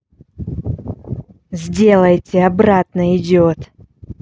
сделайте обратно идет